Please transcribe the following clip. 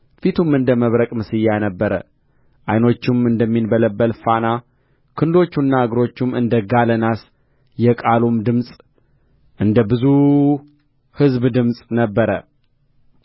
ፊቱም እንደ መብረቅ ምስያ ነበረ ዓይኖቹም እንደሚንበለበል ፋና ክንዶቹና እግሮቹም እንደ ጋለ ናስ የቃሉም ድምፅ እንደ ብዙ ሕዝብ ድምፅ ነበረ